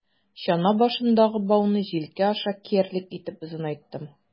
Чана башындагы бауны җилкә аша киярлек итеп озынайттым.